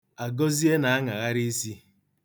Agọzie na-aṅagharị isi [figurative]